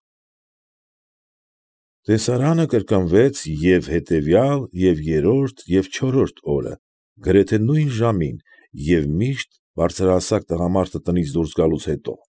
Տեսարանը կրկնվեց և՛ հետևյալ, և՛ երրորդ, և՛ չորրորդ օրը, գրեթե նույն ժամին և միշտ բարձրահասակ տղամարդը տնից դուրս գալուց հետո։